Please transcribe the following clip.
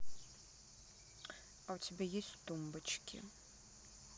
а у тебя есть тумбочки